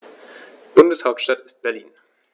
Bundeshauptstadt ist Berlin.